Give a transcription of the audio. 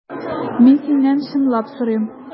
Мин синнән чынлап сорыйм.